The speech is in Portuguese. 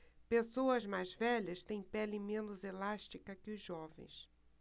pessoas mais velhas têm pele menos elástica que os jovens